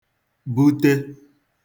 bute